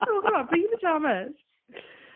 Come over, bring your pyjamas!